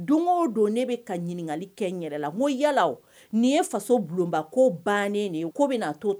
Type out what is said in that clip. Don o don ne bɛ ka ɲininkali kɛ n yɛlɛ la n ko yalala o nin ye faso bulonbako bannen de ye ko bɛna to